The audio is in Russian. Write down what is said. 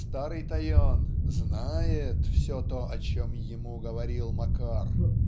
старый Тойон знает все то, о чем Ему говорил Макар